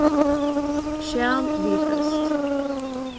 skjal viðfest